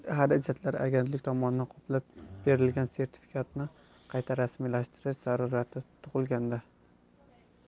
tomonidan qoplab berilgan sertifikatni qayta rasmiylashtirish zarurati tug'ilganda